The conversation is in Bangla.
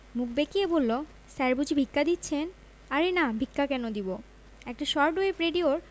মুখ বেঁকিয়ে বলল স্যার বুঝি ভিক্ষা দিচ্ছেন আরে না ভিক্ষা কেন দিব একটা শর্ট ওয়েভ রেডিওর